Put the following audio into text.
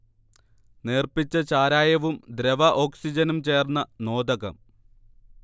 നേർപ്പിച്ച ചാരായവും ദ്രവ ഓക്സിജനും ചേർന്ന നോദകം